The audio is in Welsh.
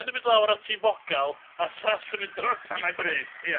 ...un yn mynd lawr at 'i fogal a llall yn mynd dros ei ben. A mae'n drist ia.